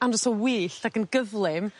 andros o wyllt ac yn gyflym